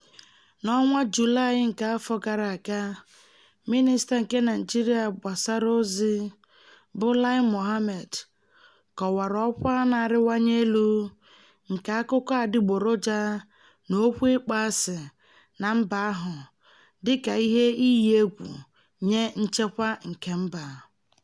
N'ọnwa Julaị nke afọ gara aga, Minista nke Naijiria Gbasara Ozi bụ Lai Mohammed kọwara ọkwa na-arịwanye elu nke akụkọ adịgboroja na okwu ịkpọasị na mba ahụ dịka ihe iyi egwu nye nchekwa kemba.